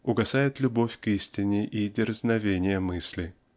угасает любовь к истине и дерзновение мысли.